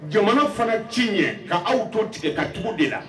Jamana fana t'i ɲɛ ka aw to tigɛ ka tugu de la